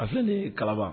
A fini ni kalaba